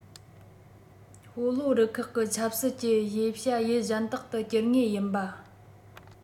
སྤོ ལོ རུ ཁག གི ཆབ སྲིད ཀྱི དབྱེ བྱ ཡུལ གཞན དག ཏུ གྱུར ངེས ཡིན པ